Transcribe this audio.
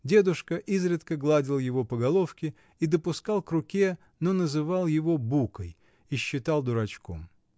дедушка изредка гладил его по головке и допускал к руке, но называл его букой и считал дурачком.